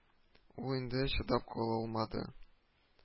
Ул инде чыдап кала алмады